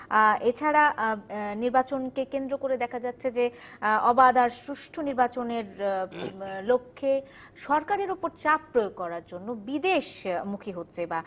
এছাড়া নির্বাচনকে কেন্দ্র করে দেখা যাচ্ছে অবাধ ও সুষ্ঠু নির্বাচনের লক্ষ্যে সরকারের উপর চাপ প্রয়োগ করার জন্য বিদেশমুখী হচ্ছে বা